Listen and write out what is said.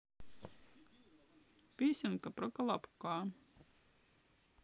песенка про колобка